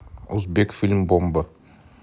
узбек фильм бомба